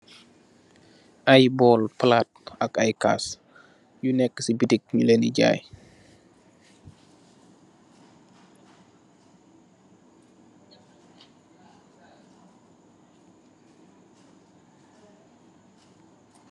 Aiiy borl plat ak aiiy kass yu neka cii boutique nju len dii jaiiy.